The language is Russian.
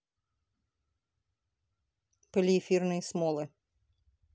полиэфирные смолы